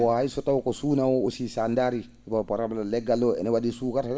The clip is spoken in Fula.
o hayso taw ko suuna o aussi so a ndaarii bo par* le?gal ngal no wa?i suukara